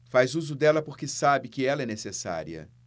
faz uso dela porque sabe que ela é necessária